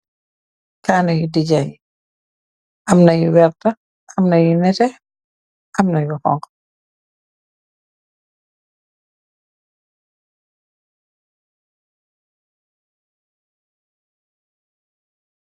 Kaaneh yuu dijah yii, amna yu vertah, amna yu nehteh, amna yu honhu.